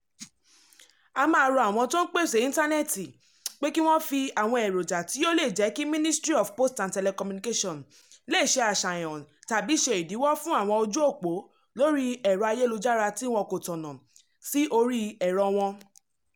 A máa rọ àwọn tó ń pèsè Íntánẹ́ẹ̀tì pé kí wọ́n fi àwọn eròjà tí yóò lè jẹ́ kí Ministry of Posts and Telecommunications lè “ṣe àṣàyàn tàbí ṣe ìdíwọ́ fún àwọn ojú òpó lórí ẹ̀rọ ayélujàra tí wọn kò tọ̀nà” sí orí ẹ̀rọ wọn.